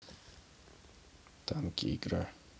танки игра